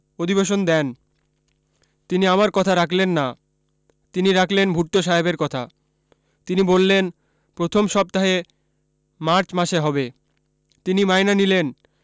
অধিবেশন দেন তিনি আমার কথা রাখলেন না তিনি রাখলেন ভুট্টো সাহেবের কথা তিনি বললেন প্রথম সপ্তাহে মার্চ মাসে হবে তিনি মাইনা নিলেন